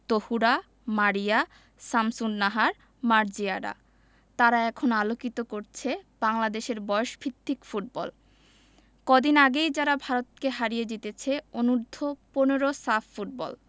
তহুরা মারিয়া শামসুন্নাহার মার্জিয়ারা তারা এখন আলোকিত করছে বাংলাদেশের বয়সভিত্তিক ফুটবল কদিন আগেই যারা ভারতকে হারিয়ে জিতেছে অনূর্ধ্ব ১৫ সাফ ফুটবল